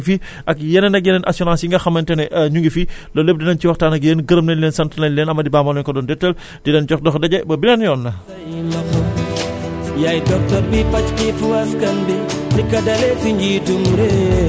tay jii gis ngeen waxtaan nañ ci ak assurance bi nga xam ne moo jëm ci wàllub taw bi am na tamit yeneen comme ni mu ko waxee fii vol de bétail yaa ngi fi ak yeneen ak yeneen assurance yi nga xamante ne ñu ngi fi yooyu yépp di nañ ci waxtaan ak yéen gërëm nañ leen sant nañ leen Amady Ba moo leen ko doon dégtal di leen jox dox daje ba beneen yoon